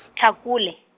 Tlhakole.